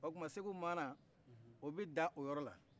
o tuma segu maana a bɛ dan o yɔrɔ la